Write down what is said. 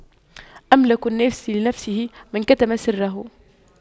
أملك الناس لنفسه من كتم سره